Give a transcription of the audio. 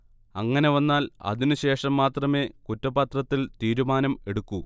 അങ്ങനെ വന്നാൽ അതിന് ശേഷം മാത്രമേ കുറ്റപത്രത്തിൽ തീരുമാനം എടുക്കൂ